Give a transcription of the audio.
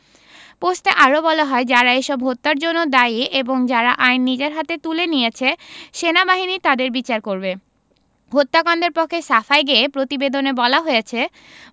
পোস্টে আরো বলা হয় যারা এসব হত্যার জন্য দায়ী এবং যারা আইন নিজের হাতে তুলে নিয়েছে সেনাবাহিনী তাদের বিচার করবে হত্যাকাণ্ডের পক্ষে সাফাই গেয়ে প্রতিবেদনে বলা হয়েছে